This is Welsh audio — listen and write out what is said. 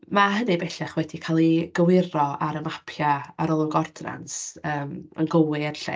Ma' hynny bellach wedi cael ei gywiro ar y mapiau Arolwg Ordnans yn gywir 'lly,